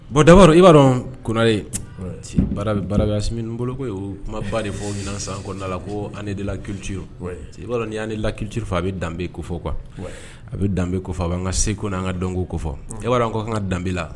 Bon dabaru i b'a dɔn konare barabu bolo o kuma ba de fɔ ɲin san ko' la ko an de la kici' la kitu a bɛ danbebe kofɔ kuwa a bɛ danbebe ko fɔ a bɛ an ka se ko n' an ka dɔn ko fɔ e b'a ko an ka danbebela